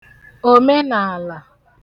òmenààlà